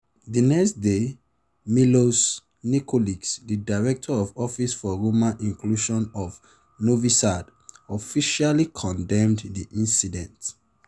The next day, Miloš Nikolić, the Director of Office for Roma Inclusion of Novi Sad, officially condemned the incident.